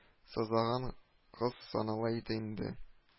Сазаган кыз санала иде инде